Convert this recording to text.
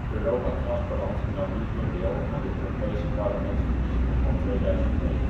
Europa Transparant nam niet meer deel aan de Europese Parlementsverkiezingen 2009